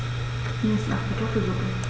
Mir ist nach Kartoffelsuppe.